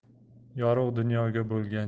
yorug' dunyoga bo'lgan